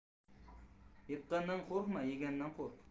yiqqandan qo'rqma yegandan qo'rq